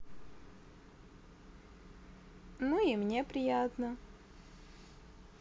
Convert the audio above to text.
ну и мне приятно